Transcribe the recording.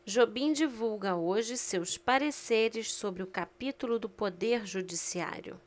jobim divulga hoje seus pareceres sobre o capítulo do poder judiciário